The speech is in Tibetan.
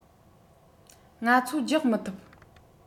ང ཚོ རྒྱག མི ཐུབ